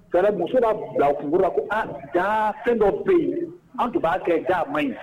Ciɛnan muso ba bla kungoro la, ko ah jaa fɛn dɔ bɛ ye an tun b'a kɛ ga maɲi.